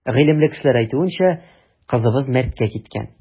Гыйлемле кешеләр әйтүенчә, кызыбыз мәрткә киткән.